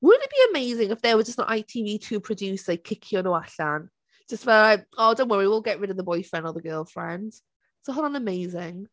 Wouldn't it be amazing if there was just an ITV Two producer i cicio nhw allan? Jyst fel, "Oh don't worry, we'll get rid of the boyfriend or the girlfriend." Sa hwnna'n amazing.